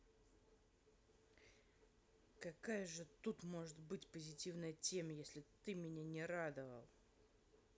какая же тут может быть позитивная тема если ты мне не радовал